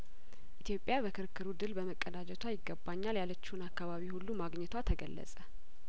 ኢትዮጵያ በክርክሩ ድል በመቀዳጀቷ ይገባኛል ያለችውን አካባቢ ሁሉ ማግኘቷ ተገለጸ